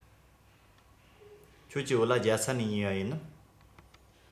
ཁྱེད ཀྱི བོད ལྭ རྒྱ ཚ ནས ཉོས པ ཡིན ནམ